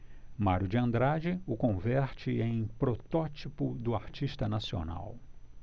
mário de andrade o converte em protótipo do artista nacional